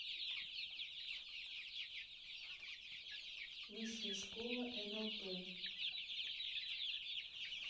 высшая школа нлп